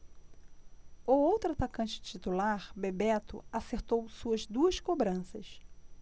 o outro atacante titular bebeto acertou suas duas cobranças